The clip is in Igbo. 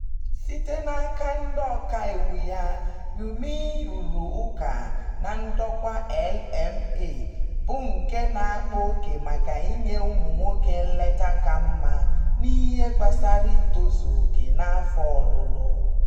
Site n'aka ndị ọkaiwu ya, Gyumi rụrụ ụka na ndokwa LMA bụ nke na-akpa oke maka inye ụmụ nwoke nleta ka mma n'ihe gbasara itozu oke n'afọ ọlụlụ.